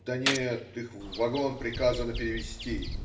- "Да нет, их в вагон приказано перевести".